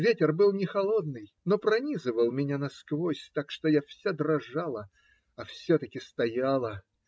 Ветер был не холодный, но пронизывал меня насквозь, так что я вся дрожала, а все-таки стояла.